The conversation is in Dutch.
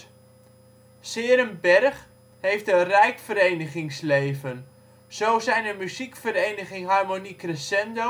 s-Heerenberg heeft een rijk verenigingsleven. Zo zijn er muziekvereniging Harmonie Crescendo